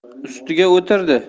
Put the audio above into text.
ustida o'tirdi